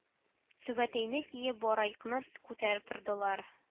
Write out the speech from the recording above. Түбәтәйне киеп байракны күтәреп тордылар